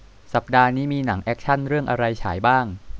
สัปดาห์นี้มีหนังแอ็คชั่นเรื่องอะไรฉายบ้าง